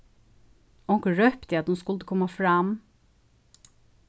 onkur rópti at hon skuldi koma fram